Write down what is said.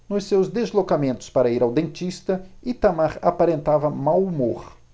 nos seus deslocamentos para ir ao dentista itamar aparentava mau humor